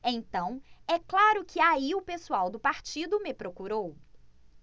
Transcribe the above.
então é claro que aí o pessoal do partido me procurou